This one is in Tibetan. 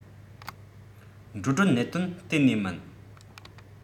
འགྲོ གྲོན གནད དོན གཏན ནས མིན